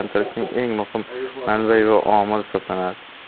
rivojlantirishning eng muhim manbai va omili hisoblanadi